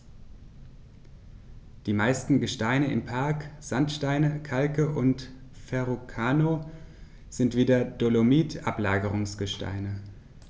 Die meisten Gesteine im Park – Sandsteine, Kalke und Verrucano – sind wie der Dolomit Ablagerungsgesteine.